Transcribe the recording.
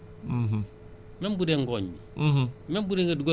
bu commencé jóg mën na am nga am ci dara